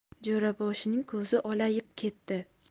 jo'raboshining ko'zi olayib ketdi